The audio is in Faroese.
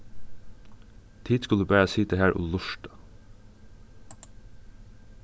tit skulu bara sita har og lurta